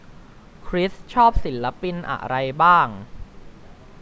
คริสชอบศิลปินอะไรบ้าง